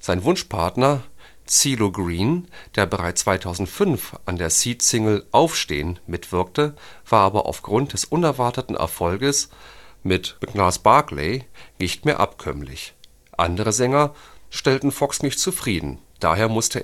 Sein Wunschpartner Cee-Lo Green, der bereits 2005 an der Seeed-Single Aufstehn! mitwirkte, war aber aufgrund des unerwarteten Erfolges mit Gnarls Barkley nicht mehr abkömmlich. Andere Sänger stellten Fox nicht zufrieden, daher nahm er, „ aus der